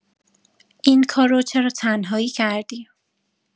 این کارو چرا تنهایی کردی؟